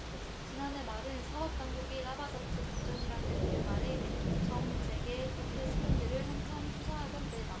지난해 말은 사법 당국이 라바 자투 작전이라는 이름 아래 정 재계 부패 스캔들을 한창 수사하던 때다